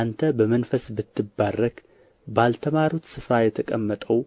አንተ በመንፈስ ብትባርክ ባልተማሩት ስፍራ የተቀመጠው